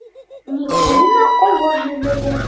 Микулино авыл җирлеге